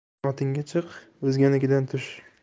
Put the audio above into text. o'zingning otingga chiq o'zganikidan tush